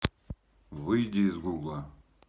выйди из гугла